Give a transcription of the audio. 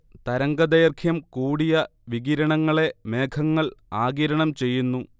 തരംഗദൈർഘ്യം കൂടിയ വികിരണങ്ങളെ മേഘങ്ങൾ ആഗിരണം ചെയ്യുന്നു